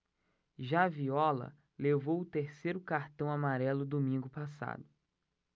já viola levou o terceiro cartão amarelo domingo passado